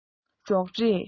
རོགས རེས